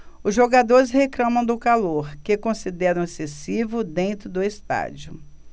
os jogadores reclamam do calor que consideram excessivo dentro do estádio